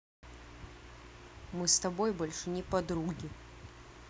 мы с тобой больше не подруги